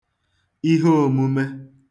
ihe ōmūmē